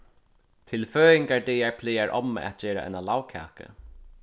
til føðingardagar plagar omma at gera eina lagkaku